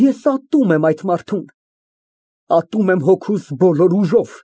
Ես ատում եմ այդ մարդուն։ Ատում եմ հոգուս բոլոր ուժով։